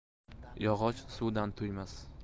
yog'och suvdan to'ymas